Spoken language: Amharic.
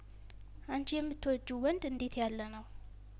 አንቺ የምትወጂው ወንድ እንዴት ያለነው